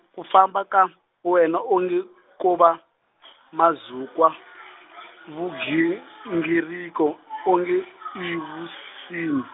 ku famba ka, wena onge ko wa , mazukwa, vugingiriko, onge, i vunsini.